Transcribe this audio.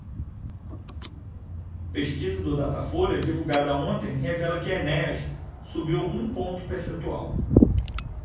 pesquisa do datafolha divulgada ontem revela que enéas subiu um ponto percentual